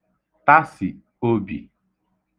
tasì obì